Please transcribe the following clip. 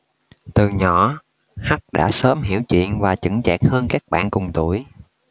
từ nhỏ h đã sớm hiểu chuyện và chững chạc hơn các bạn cùng tuổi